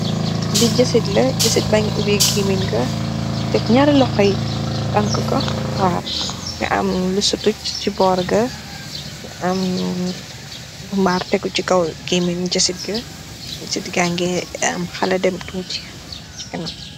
li jësit la jësit bàngi ubig gimin ga tek ñaari lohoye bank ko xaar nga am lu sutuj ci bor ga am bu mar tegu ci kaw gémin sit g sit ga ngir am xala dem tuuti ci kanam.